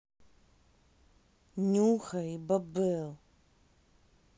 нюхай и babel